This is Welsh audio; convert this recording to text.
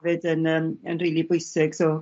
... fyd yn yym yn rili bwysig so